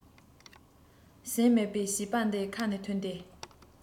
ཟིན མེད པའི བྱིས པ འདིའི ཁ ནས ཐོན ཏེ